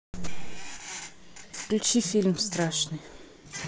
включи фильм страшный